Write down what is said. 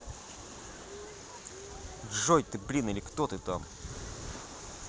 джой ты блин или кто ты там